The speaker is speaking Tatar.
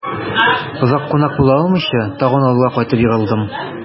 Озак кунак була алмыйча, тагын авылга кайтып егылдым...